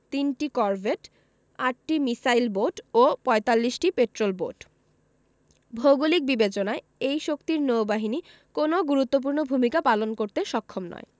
৩টি করভেট ৮টি missile boat ও ৪৫টি পেট্রল বোট ভৌগোলিক বিবেচনায় এই শক্তির নৌবাহিনী কোনো গুরুত্বপূর্ণ ভূমিকা পালন করতে সক্ষম নয়